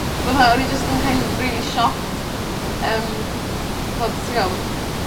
fatha o'n i jyst yn kind of rili shocked yym fod t'go' m-